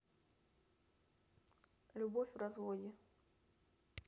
любовь в разводе